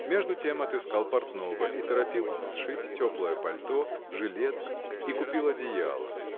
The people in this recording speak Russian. Между тем отыскал портного и торопил сшить теплое пальто, жилет и купил одеяло.